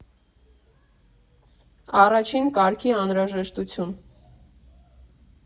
Առաջին կարգի անհրաժեշտություն։